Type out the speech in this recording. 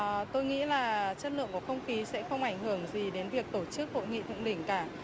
à tôi nghĩ là chất lượng của không khí sẽ không ảnh hưởng gì đến việc tổ chức hội nghị thượng đỉnh cả